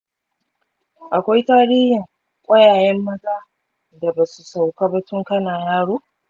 akwai tarihin ƙwayayen maza da ba su sauka ba tun kana yaro?